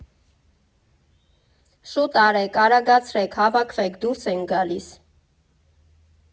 «Շո՛ւտ արեք, արագացրե՛ք, հավաքվեք, դուրս ենք գալիս։